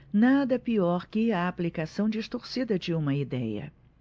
nada pior que a aplicação distorcida de uma idéia